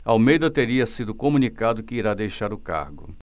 almeida teria sido comunicado que irá deixar o cargo